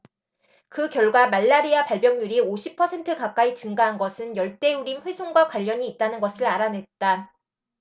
그 결과 말라리아 발병률이 오십 퍼센트 가까이 증가한 것은 열대 우림 훼손과 관련이 있다는 것을 알아냈다